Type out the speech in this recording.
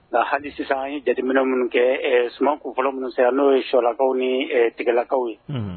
Nka hali sisan jateminɛ minnu kɛ sumaman fɔlɔ minnu sera n'o ye suɔlakaw ni tigalakaw ye